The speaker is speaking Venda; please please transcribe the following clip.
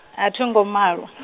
a thongo malwa .